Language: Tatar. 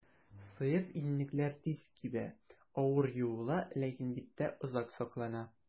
Сыек иннекләр тиз кибә, авыр юыла, ләкин биттә озак саклана.